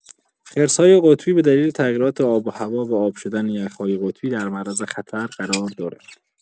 خرس‌های قطبی به دلیل تغییرات آب و هوا و آب شدن یخ‌های قطبی در معرض خطر قرار دارند.